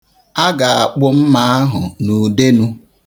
A ga-akpụ mma ahụ n'Udenu.